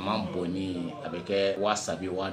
A man bonɔni a bɛ kɛ waasa waa